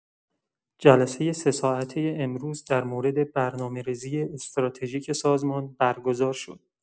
جلسه سه‌ساعته امروز در مورد برنامه‌ریزی استراتژیک سازمان برگزار شد.